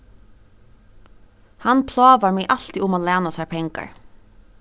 hann plágar meg altíð um at læna sær pengar